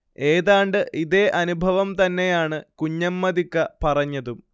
ഏതാണ്ട് ഇതേ അനുഭവം തന്നെയാണ് കുഞ്ഞമ്മദിക്ക പറഞ്ഞതും